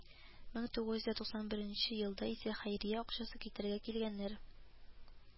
Мең тугыз йөз дә туксан беренче елда исә хәйрия акчасы китерергә килгәннәр